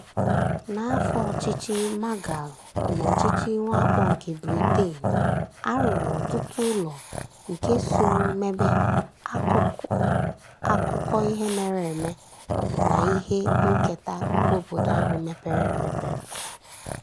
N'afọ ọchịchị Maghal na ọchichị mwakpo nke Britain, a rụrụ ọtụtụ ụlọ nke so mebee akụkụ akụkọ ihe mere eme na ihe nketa nke obodo ahụ mepere emepe.